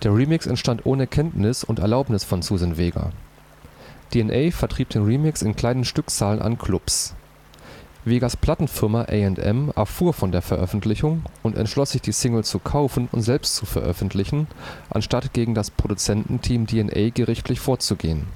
Remix entstand ohne Kenntnis und Erlaubnis von Suzanne Vega. DNA vertrieb den Remix in kleinen Stückzahlen an Clubs. Vegas Plattenfirma A&M erfuhr von der Veröffentlichung und entschloss sich die Single zu kaufen und selbst zu veröffentlichen, anstatt gegen das Produzententeam DNA gerichtlich vorzugehen